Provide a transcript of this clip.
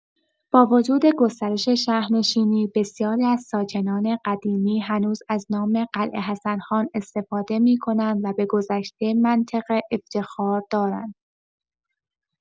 با وجود گسترش شهرنشینی، بسیاری از ساکنان قدیمی هنوز از نام قلعه حسن‌خان استفاده می‌کنند و به گذشته منطقه افتخار دارند.